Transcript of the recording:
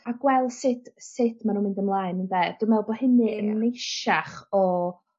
a gwel' sut sut ma' nw'n mynd ymlaen ynde dwi me'wl bo' hunny yn neisiach o